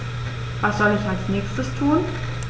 Was soll ich als Nächstes tun?